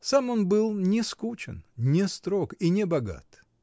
Сам он был не скучен, не строг и не богат.